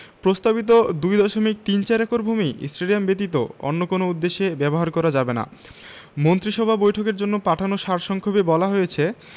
প্রস্তাবিত ২ দশমিক তিন চার একর ভূমি স্টেডিয়াম ব্যতীত অন্য কোনো উদ্দেশ্যে ব্যবহার করা যাবে না মন্ত্রিসভা বৈঠকের জন্য পাঠানো সার সংক্ষেপে বলা হয়েছে